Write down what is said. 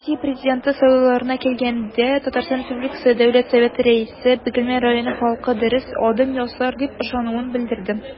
Россия Президенты сайлауларына килгәндә, ТР Дәүләт Советы Рәисе Бөгелмә районы халкы дөрес адым ясар дип ышануын белдерде.